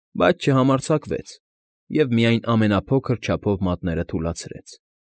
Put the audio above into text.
Բայց չհամարձակվեց և միայն ամենափոքր չափով մատները թուլացրեց։